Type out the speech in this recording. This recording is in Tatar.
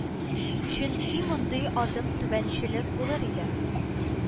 Чөнки мондый адым түбәнчелек булыр иде